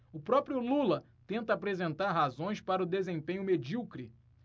o próprio lula tenta apresentar razões para o desempenho medíocre